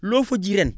loo fa ji ren